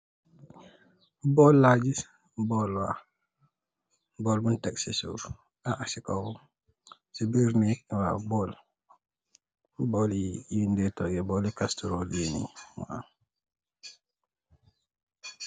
Bowl la giss bowl waw bowl bung tek se suff ase kaw se birr neek waw bowl bowl yung de tooge bowle castelurr yee nee waw.